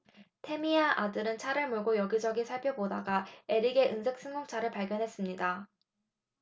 태미와 아들은 차를 몰고 여기 저기 살펴보다가 에릭의 은색 승용차를 발견했습니다